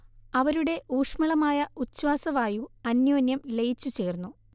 അവരുടെ ഊഷ്മളമായ ഉച്ഛ്വാസവായു അന്യോന്യം ലയിച്ചു ചേർന്നു